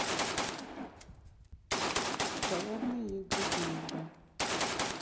голодные игры книга